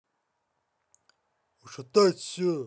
ушатать все